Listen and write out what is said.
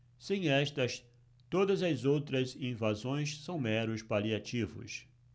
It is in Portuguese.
sem estas todas as outras invasões são meros paliativos